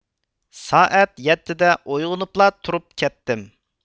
سائەت يەتتىدە ئويغۇنۇپلا تۇرۇپ كەتتىم